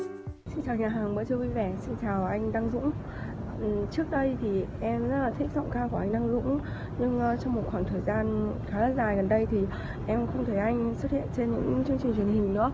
xin chào nhà hàng bữa trưa vui vẻ xin chào anh đăng dũng trước đây thì em rất là thích giọng ca của anh đăng dũng nhưng trong một khoảng thời gian khá là dài gần đây thì em không thấy anh xuất hiện trên những chương trình truyền hình nữa